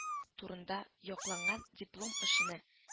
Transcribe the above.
Төзү турында якланган диплом эшенә